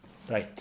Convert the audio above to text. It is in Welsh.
Reit.